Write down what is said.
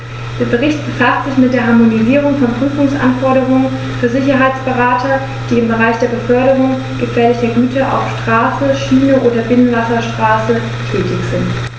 Der Bericht befasst sich mit der Harmonisierung von Prüfungsanforderungen für Sicherheitsberater, die im Bereich der Beförderung gefährlicher Güter auf Straße, Schiene oder Binnenwasserstraße tätig sind.